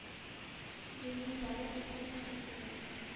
Җитми бары иркем-хөрлегем.